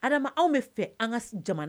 Adama anw bɛ fɛ an ka jamana